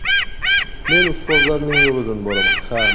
men ustozlarning yo'lidan boraman ha